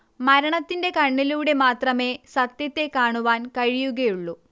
മരണത്തിന്റെ കണ്ണിലൂടെ മാത്രമേ സത്യത്തെ കാണുവാൻ കഴിയുകയുള്ളു